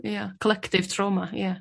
Ia collective trauma ia.